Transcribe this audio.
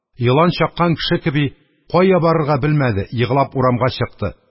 Елан чаккан кеше кеби, кая барырга белмәде, еглап урамга чыкты.